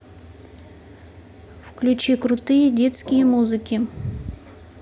включи крутые детские музыки